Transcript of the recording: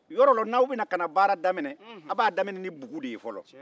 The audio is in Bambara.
yɔrɔ la ni aw bɛna fɛn jɔli daminɛ aw b'a daminɛ bugu de la